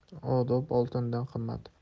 odob oltindan qimmat